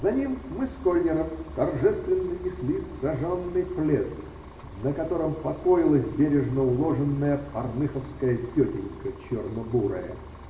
За ним мы с Кольнером торжественно несли саженный плед, на котором покоилась бережно уложенная парныховская тетенька черно-бурая.